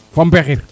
fo mbexir